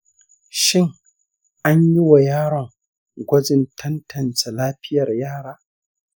shin anyi wa yaron gwajin tantance lafiyar yara?